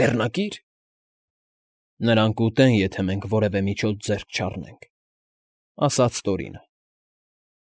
Բեռնակի՞ր։ ֊ Նրան կուտեն, եթե մենք որևէ միջոց ձեռք չառնենք,֊ ասաց Տորինը։